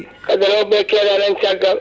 kamɓe rewɓe keedani hen caggal